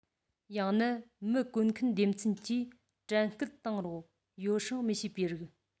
ཡང ན མི བཀོལ མཁན སྡེ ཚན གྱིས དྲན སྐུལ བཏང རུང ཡོ བསྲང མི བྱེད པའི རིགས